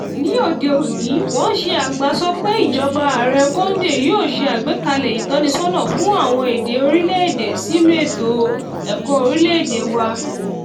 Ní òde òní, wọ́n ṣe àgbàsọ pé ìjọba Ààrẹ Condé yóò ṣe àgbékalẹ̀ ìtọ́nisọ́nà fún àwọn èdè orílẹ̀ èdè sínú ètò ẹ̀kọ́ orílẹ̀ èdè wa.